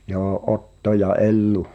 joo Otto ja Ellu